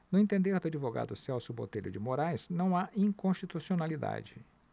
no entender do advogado celso botelho de moraes não há inconstitucionalidade